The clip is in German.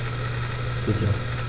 Sicher.